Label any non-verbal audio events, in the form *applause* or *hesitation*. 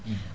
*hesitation* *hesitation*